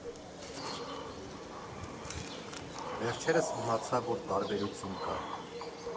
Վերջերս իմացա, որ տարբերություն կա։